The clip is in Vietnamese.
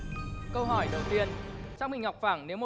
câu hỏi đầu tiên trong hình học phẳng nếu một